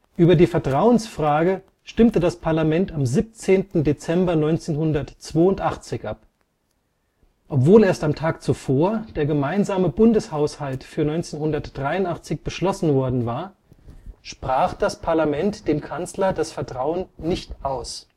Über die Vertrauensfrage stimmte das Parlament am 17. Dezember 1982 ab. Obwohl erst am Tag zuvor der gemeinsame Bundeshaushalt für 1983 beschlossen worden war, sprach das Parlament dem Kanzler das Vertrauen nicht aus